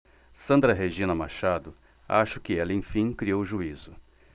sandra regina machado acho que ela enfim criou juízo